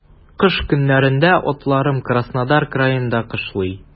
Кыш көннәрендә атларым Краснодар краенда кышлый.